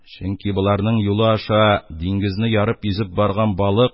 Чөнки боларның юлы аша диңгезне ярып йөзеп барган балык